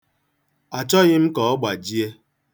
Achọghị m ka ọ gbajie.